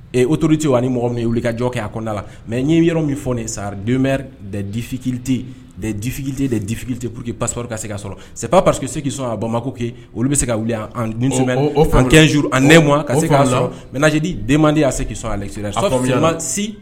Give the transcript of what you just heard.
Otouruti ni mɔgɔ min ye wuli ka jɔ kɛ a kɔnɔnada la mɛi yɔrɔ min fɔ nin sara den de difite dɛfite de difite pur paspri ka se ka sɔrɔ se pari que sekii sɔn a bamakɔ makokɛ olu bɛ se ka wuli fanzjuru nɛma ka se k sɔrɔ mɛj den de y' se' sɔn ale si